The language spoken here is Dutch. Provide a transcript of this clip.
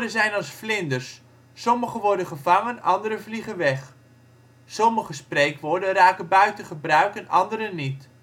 zijn als vlinders: sommige worden gevangen, andere vliegen weg - Sommige spreekwoorden raken buiten gebruik en andere niet